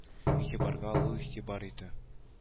Игътибарга алу игътибар итү